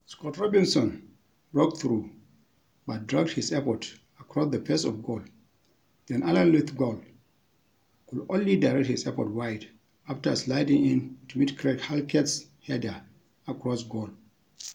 Scott Robinson broke through but dragged his effort across the face of goal, then Alan Lithgow could only direct his effort wide after sliding in to meet Craig Halkett's header across goal.